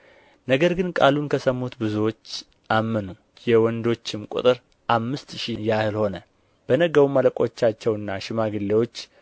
ነገር ግን ቃሉን ከሰሙት ብዙዎች አመኑ የወንዶችም ቍጥር አምስት ሺህ ያህል ሆነ በነገውም አለቆቻቸውና ሽማግሌዎች